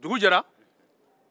dugu jɛra